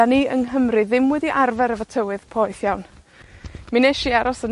'Dan ni yng Nghymru ddim wedi arfer efo tywydd poeth iawn. Mi wnesh i aros yn